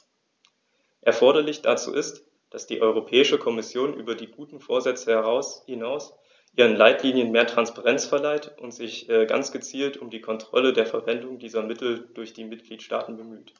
Erforderlich dazu ist, dass die Europäische Kommission über die guten Vorsätze hinaus ihren Leitlinien mehr Transparenz verleiht und sich ganz gezielt um die Kontrolle der Verwendung dieser Mittel durch die Mitgliedstaaten bemüht.